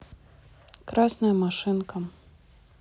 красная машинка